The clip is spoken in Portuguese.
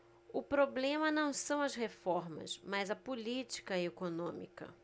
o problema não são as reformas mas a política econômica